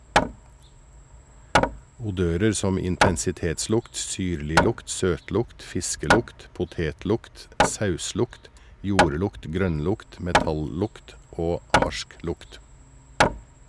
Odører som intensitetslukt, syrliglukt, søtlukt, fiskelukt, potetlukt, sauslukt, jordlukt, grønnlukt, metallukt og harsklukt.